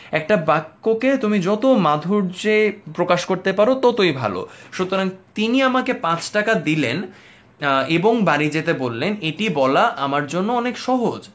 একটা বাক্য কে তুমি যত মাধুর্যে প্রকাশ করতে পারো ততোই ভাল সুতরাং তিনি আমাকে ৫ টাকা দিলেন এবং বাড়ি যেতে বলে এটি বলা আমার জন্য অনেক সহজ